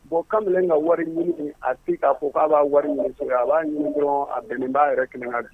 Bon kamalen minɛ ka wari ɲini a tɛ ka ko k'a b'a wari ɲini a b'a ɲini dɔn a bɛn b' yɛrɛ kɛnɛ